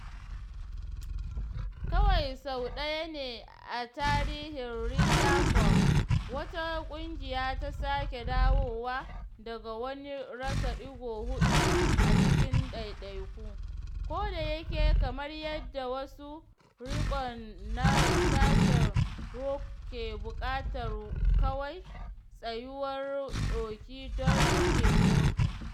Kawai sau ɗaya ne a tarihin Ryder Cup wata ƙungiya ta sake dawowa daga wani rasa ɗigo huɗu a cikin ɗaiɗaiku, kodayake kamar yadda masu riƙon na sashen Furyk ke buƙatar kawai tsayuwar doki don riƙe kofin.